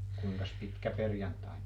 kuinkas pitkäperjantaina